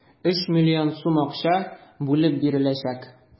3 млн сум акча бүлеп биреләчәк.